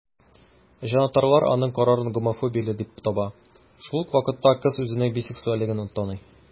Җанатарлар аның карарын гомофобияле дип таба, шул ук вакытта кыз үзенең бисексуальлеген таный.